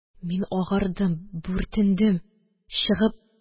Мин агардым, бүртендем. чыгып